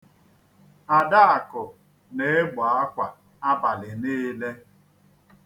Adaakụ na-egbo akwa abalị niile.